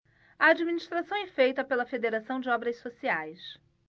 a administração é feita pela fos federação de obras sociais